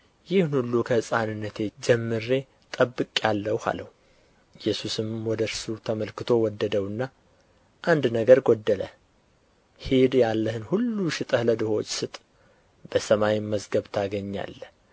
ይህን ሁሉ ከሕፃንነቴ ጀምሬ ጠብቄአለሁ አለው ኢየሱስም ወደ እርሱ ተመልክቶ ወደደውና አንድ ነገር ጐደለህ ሂድ ያለህን ሁሉ ሽጠህ ለድሆች ስጥ በሰማይም መዝገብ ታገኛለህ